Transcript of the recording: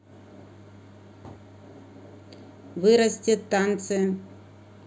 вырастет танцы